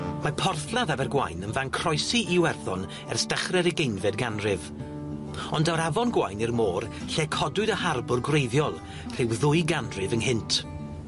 Mae Porthladd Abergwaun yn fan croesi i Werddon ers dechre'r ugeinfed ganrif ond daw'r Afon Gwaun i'r môr lle codwyd y harbwr gwreiddiol rhyw ddwy ganrif ynghynt.